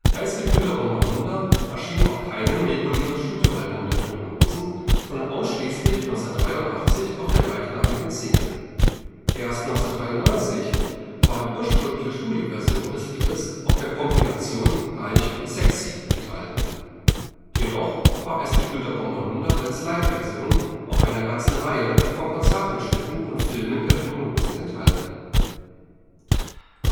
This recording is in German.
Eisgekühlter Bommerlunder erschien auf keinem regulären Studioalbum der Toten Hosen, sondern ausschließlich 1983 auf der gleichnamigen Single. Erst 1993 war die ursprüngliche Studioversion des Liedes auf der Kompilation Reich & sexy enthalten. Jedoch war Eisgekühlter Bommerlunder als Liveversion auf einer ganzen Reihe von Konzertmitschnitten und - filmen der Toten Hosen enthalten: 1987